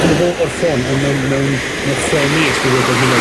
dyma fo'r ffôn, ond mewn mewn, mewn chwe mis ma' dod yn hud yn o'd gwell